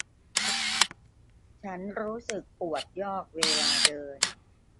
ฉันรู้สึกปวดยอกเวลาเดิน